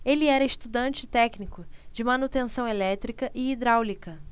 ele era estudante e técnico de manutenção elétrica e hidráulica